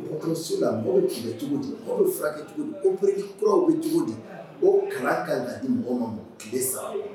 Uso la mɔgɔw ki cogo di filakɛ cogo koerekɔrɔw bɛ cogo di o kalan ka di mɔgɔ ma tile saba